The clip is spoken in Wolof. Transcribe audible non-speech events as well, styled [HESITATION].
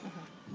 [HESITATION] [HESITATION]